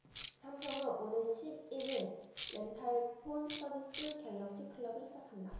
삼성은 오는 십 일 일 렌탈폰 서비스 갤럭시 클럽을 시작한다